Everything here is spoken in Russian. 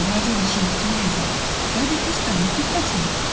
-- возразила с живостию Лиза, -- ради Христа, не приходи.